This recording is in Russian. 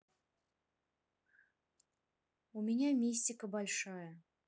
у меня мистика большая